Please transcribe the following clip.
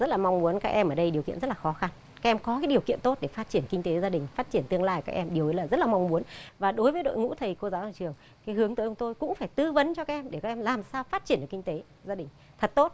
rất là mong muốn các em ở đây điều kiện rất là khó khăn các em có điều kiện tốt để phát triển kinh tế gia đình phát triển tương lai các em điều ấy là rất là mong muốn và đối với đội ngũ thầy cô giáo ở trường hướng tới nhưng tôi cũng phải tư vấn để các em làm sao phát triển kinh tế gia đình thật tốt